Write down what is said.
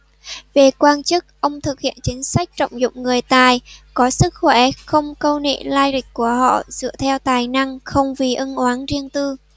về quan chức ông thực hiện chính sách trọng dụng người tài có sức khỏe không câu nệ lai lịch của họ dựa theo tài năng không vì ân oán riêng tư